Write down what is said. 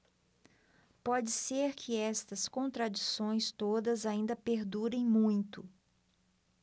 pode ser que estas contradições todas ainda perdurem muito